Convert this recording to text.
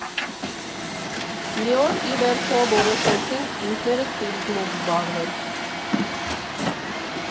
Մի օր, ի վերջո, որոշեցինք ինքներս տուրիզմով զբաղվել։